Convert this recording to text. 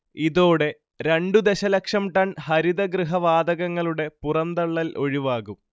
ഇതോടെ രണ്ടു ദശലക്ഷം ടൺ ഹരിതഗൃഹ വാതകങ്ങളുടെ പുറന്തള്ളൽ ഒഴിവാകും